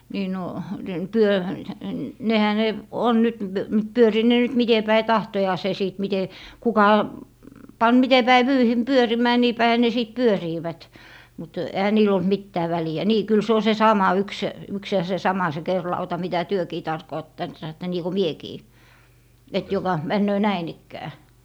niin no -- nehän ne on nyt pyörivät ne nyt miten päin tahtojansa sitten miten kuka pani miten päin vyyhdin pyörimään niin päinhän ne sitten pyörivät mutta eihän niillä ollut mitään väliä niin kyllä se on se sama yksi yksi ja se sama se kerinlauta mitä tekin tarkoittanut sanotte niin kuin minäkin että joka menee näin ikään